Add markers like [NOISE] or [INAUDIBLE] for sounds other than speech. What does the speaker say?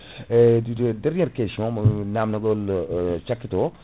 [BREATH] eyyi ɗiɗo derniére question mo namdogol cakkito o